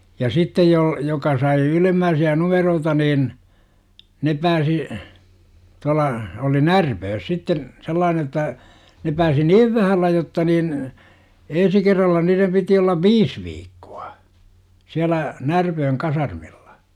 ja sitten - joka sai ylempiä numeroita niin ne pääsi tuolla oli Närpiössä sitten sellainen jotta ne pääsi niin vähällä jotta niin ensi kerralla niiden piti olla viisi viikkoa siellä Närpiön kasarmilla